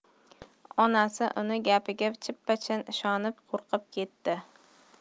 onasi uning gapiga chippa chin ishonib qo'rqib ketdi